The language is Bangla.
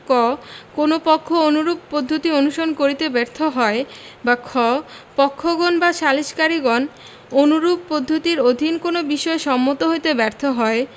ক কোন পক্ষ অনুরূপ পদ্ধতি অনুসরণ করিতে ব্যর্থ হয় বা খ পক্ষগণ বা সালিসকারীগণ অনুরূপ পদ্ধতির অধীন কোন বিষয়ে সম্মত হইতে ব্যর্থ হয়